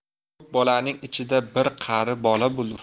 ko'p bolaning ichida bir qari bola bo'lur